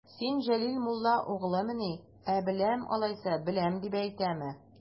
Син Җәләл мулла угълымыни, ә, беләм алайса, беләм дип әйтәме?